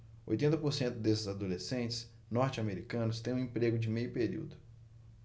oitenta por cento desses adolescentes norte-americanos têm um emprego de meio período